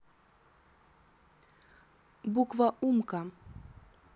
буква умка